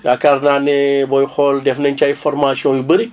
yaakaar naa ne booy xool def nañ ci ay formations yu bëri